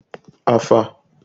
afa